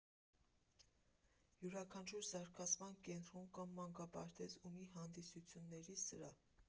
Յուրաքանչյուր զարգացման կենտրոն կամ մանկապարտեզ ունի հանդիսությունների սրահ։